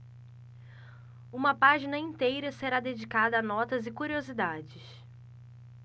uma página inteira será dedicada a notas e curiosidades